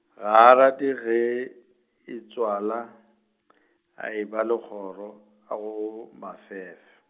ga rate ge, e tswala , a e ba le kgoro, a go Mafef-.